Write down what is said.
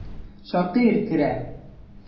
Шакир керә.